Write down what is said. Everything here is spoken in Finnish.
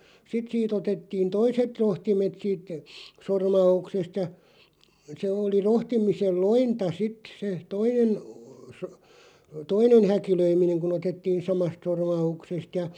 sitten siitä otettiin toiset rohtimet siitä sormauksesta ja se oli rohtimisen lointa sitten se toinen - toinen häkilöiminen kun otettiin samasta sormauksesta ja